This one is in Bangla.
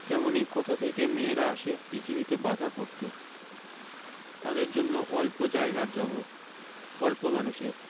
তেমনি কোথা থেকে মেয়েরা আসে পৃথিবীতে বাঁধা পড়তে তাদের জন্য অল্প জায়গার জগত অল্প মানুষের